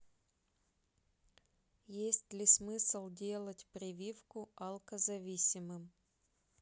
есть ли смысл делать прививку алкозависимым